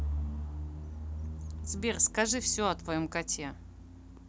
сбер скажи все о твоем коте